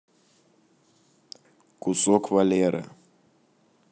кусок валеры